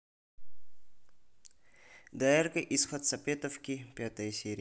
доярка из хацапетовки пятая серия